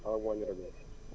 xaaral ma wàññi rajo bi